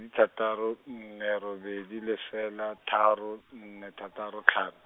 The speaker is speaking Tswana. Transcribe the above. di thataro, nne robedi lefela tharo nne thataro tlhano.